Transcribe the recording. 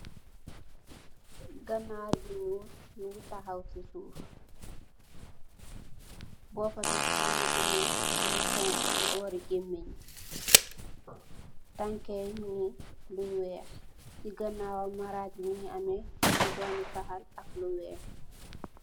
Ganaar bu nyuul, mingi tahaw si suuf, bopabi mingi amme lu xonxa si boori gemangi, tangkayi mingi lu weex, si ganaawam maraaj, mingi amme lu domitahal ak lu weex